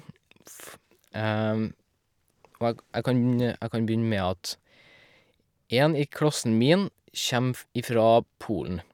Og eg jeg kan jeg kan begynne med at en i klassen min kjem f ifra Polen.